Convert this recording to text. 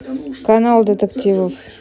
канал детективов